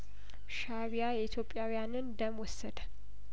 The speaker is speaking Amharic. ሻእቢያ የኢትዮጵያውያንን ደም ወሰደ